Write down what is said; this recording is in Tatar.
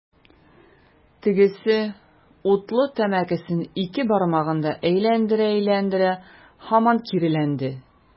Тегесе, утлы тәмәкесен ике бармагында әйләндерә-әйләндерә, һаман киреләнде.